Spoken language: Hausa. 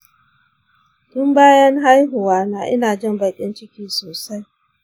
tun bayan haihuwa ina jin baƙin ciki sosai.